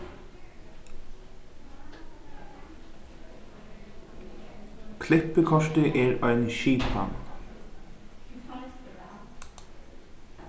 klippikortið er ein skipan